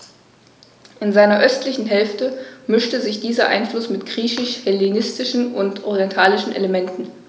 In seiner östlichen Hälfte mischte sich dieser Einfluss mit griechisch-hellenistischen und orientalischen Elementen.